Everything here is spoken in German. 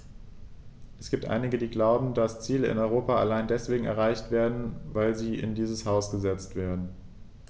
Es gibt einige, die glauben, dass Ziele in Europa allein deswegen erreicht werden, weil sie in diesem Haus gesetzt werden.